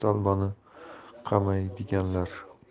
stolba ni qamaydiganlar